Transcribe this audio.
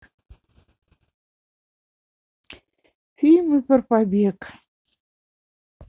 фильмы про побег